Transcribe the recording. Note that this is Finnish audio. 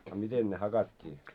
a miten ne hakattiin